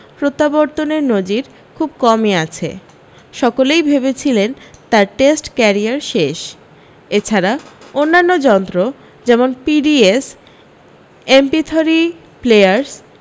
প্রত্যাবর্তনের নজির খুব কমি আছে সকলেই ভেবেছিলেন তাঁর টেস্ট কেরিয়ার শেষ এছাড়া অন্যান্য যন্ত্র যেমন পিডিএস এমপিথরি প্লেয়ার্স